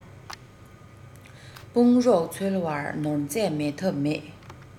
དཔུང རོགས འཚོལ བར ནོར རྫས མེད ཐབས མེད